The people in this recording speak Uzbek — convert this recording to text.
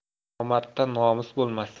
nomardda nomus bo'lmas